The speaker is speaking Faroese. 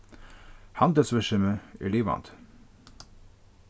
handilsvirksemið er livandi